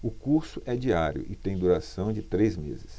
o curso é diário e tem duração de três meses